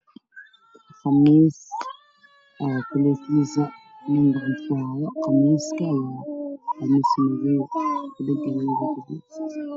Waa khamiis midabkiisu yahay midow nin ayaa gacanta ku haya miiska wacdaan